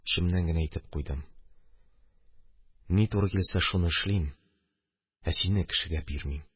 Эчемнән генә әйтеп куйдым: «Ни туры килсә, шуны эшлим, ә сине кешегә бирмим».